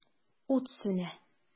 Ут сүнә.